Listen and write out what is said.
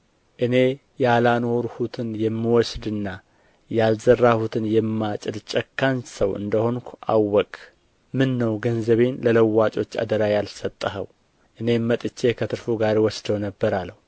እኔ ያላኖርሁትን የምወስድና ያልዘራሁትን የማጭድ ጨካኝ ሰው እንደ ሆንሁ አወቅህ ምን ነው ገንዘቤን ለለዋጮች አደራ ያልሰጠኸው እኔም መጥቼ ከትርፉ ጋር እወስደው ነበር አለው